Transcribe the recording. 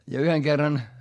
ja yhden kerran